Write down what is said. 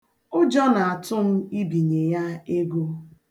Ụjọ na-atụ m ibinye ya ego.